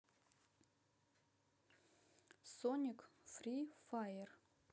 соник фри фаер